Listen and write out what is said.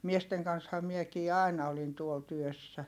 miesten kanssahan minäkin aina olin tuolla työssä